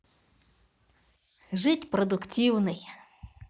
жить продуктивный